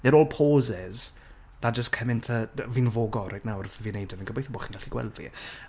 They're all poses, that just come into... fi'n 'fowgo' reit nawr, fi'n wneud e, fi'n gobeithio bo' chi'n gallu gweld fi.